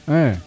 xa